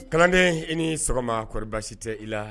Kalanden i ni sɔgɔma kɔrɔɔri baasisi tɛ i la